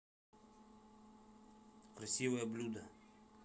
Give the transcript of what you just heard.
красивое блюдо